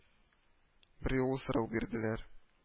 Берьюлы сорау бирделәр: